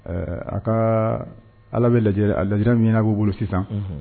Ɛɛ a ka Ala bɛ lajɛlara min n'a b'u bolo sisan, unhun